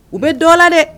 U bɛ dɔ la dɛ